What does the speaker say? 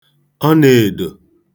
ọnēèdò